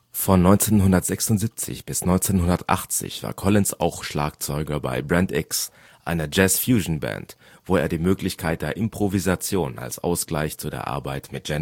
Von 1976 bis 1980 war Collins auch Schlagzeuger bei Brand X, einer Jazz-Fusion-Band, wo er die Möglichkeit der Improvisation als Ausgleich zu der Arbeit mit